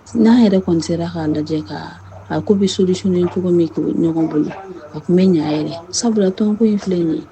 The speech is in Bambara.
N'a yɛrɛ kɔni sera k'a lajɛ ka a ko bɛ sourus in cogo min k' ɲɔgɔn bolo a tun bɛ ɲɛ yɛrɛ sabula tɔn ko in filɛ in ye